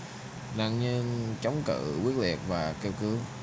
nạn nhân chống cự quyết liệt và kêu cứu